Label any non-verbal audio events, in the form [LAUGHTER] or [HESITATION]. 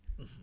[HESITATION] [HESITATION]